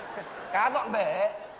cá dọn bể